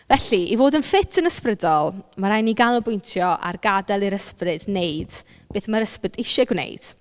Felly i fod yn ffit yn ysbrydol, mae raid i ni ganolbwyntio ar gadael i'r ysbryd wneud beth mae'r ysbryd isie gwneud.